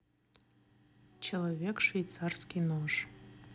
человек швейцарский нож